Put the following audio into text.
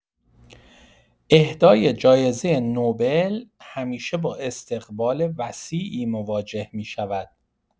اهدای جایزه نوبل همیشه با استقبال وسیعی مواجه می‌شود.